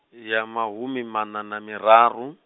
ya mahumimaṋa na miraru.